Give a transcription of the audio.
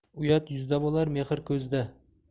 uyat yuzda bo'lar mehr ko'zda